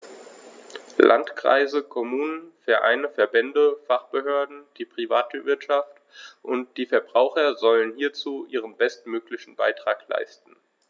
Landkreise, Kommunen, Vereine, Verbände, Fachbehörden, die Privatwirtschaft und die Verbraucher sollen hierzu ihren bestmöglichen Beitrag leisten.